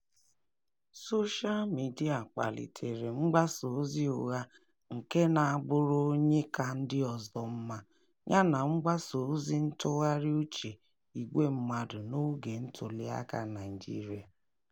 Soshaa midịa kpalitere mgbasa ozi ụgha nke na agbụrụ onye ka ndị ọzọ mma yana mgbasa ozi ntụgharị uche ìgwe mmadụ n'oge ntụliaka Naịjirịa